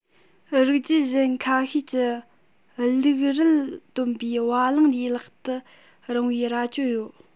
རིགས རྒྱུད གཞན ཁ ཤས ཀྱི རླིག རིལ བཏོན པའི བ གླང ལས ལྷག ཏུ རིང བའི རྭ ཅོ ཡོད